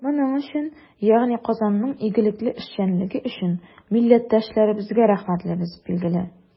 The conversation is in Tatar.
Моның өчен, ягъни Казанның игелекле эшчәнлеге өчен, милләттәшләребезгә рәхмәтлебез, билгеле.